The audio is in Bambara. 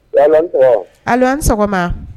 Allo a' ni sɔgɔma, allo a' ni sɔgɔma